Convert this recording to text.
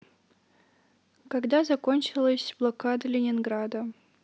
когда закончилась блокада ленинграда